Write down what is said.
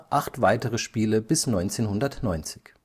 acht weitere Spiele bis 1990